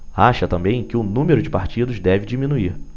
acha também que o número de partidos deve diminuir